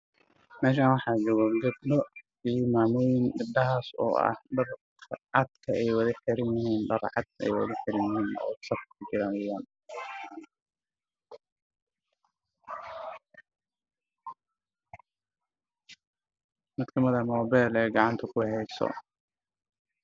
Meshan waxaa taagan naago fara badan waxey wataan dhar cadaan ah